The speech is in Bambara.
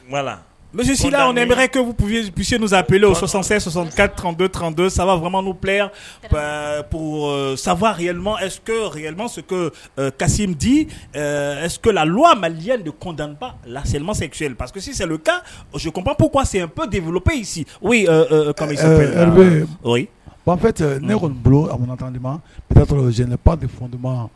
Sisila bɛsi ninnusaple o sɔsan sɔsɔ ka safa bila yan sa sanfɛfa kasisidisla mali detan laɛlɛma sen parce quesisikunpp sɛp de bolo pasi ofɛ ne kɔni